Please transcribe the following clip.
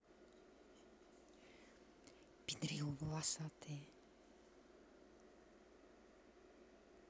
педрило волосатое